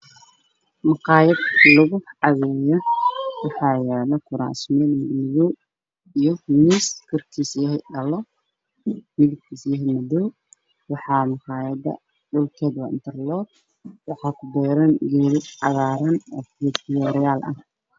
Waa maqaayadda banaankeeda koro oo leh geeda cagaara oo qurux badan iyo laan kuraas madow ah qof jooga ma lahan